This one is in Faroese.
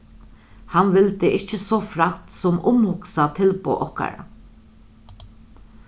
hann vildi ikki so frægt sum umhugsa tilboð okkara